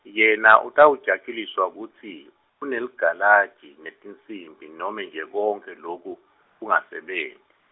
yena utawujatjuliswa kutsi, uneligalaji, netinsimbi, nome nje konkhe loku, kungasebenti.